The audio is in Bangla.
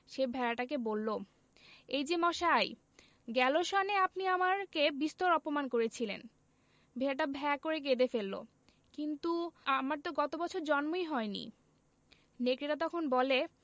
সে ভেড়াটাকে বলল এই যে মশাই গেল সনে আপনি আমাকে বিস্তর অপমান করেছিলেন ভেড়াটা ভ্যাঁ করে কেঁদে ফেলল কিন্তু আমার তো গত বছর জন্মই হয়নি নেকড়েটা তখন বলে